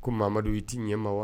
Ko mamadu i t'i ɲɛ ma wa